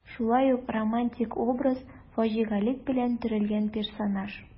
Шулай ук романтик образ, фаҗигалек белән төрелгән персонаж.